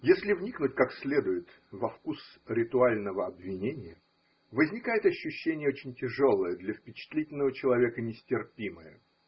Если вникнуть как следует во вкус ритуального обвинения, возникает ощущение очень тяжелое, для впечатлительного человека нестерпимое.